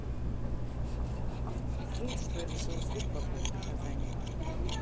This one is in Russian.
суд что решил суд по поводу казани